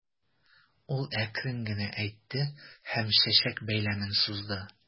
Ул әкрен генә әйтте һәм чәчәк бәйләмен сузды.